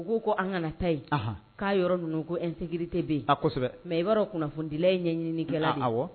U ko ko an kanata yen k'a yɔrɔ ninnu ko nxgirite bɛ yen a kosɛbɛ mɛ i b'a kunnafonidila in ɲɛɲinikɛla wa